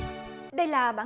đây là bản